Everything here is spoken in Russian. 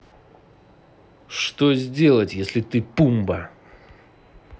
что сделать если ты пумба